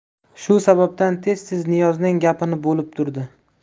shu sababdan tez tez niyozning gapini bo'lib turdi